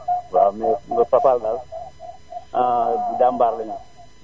waaw mais Fapal daal ah jambaar lañu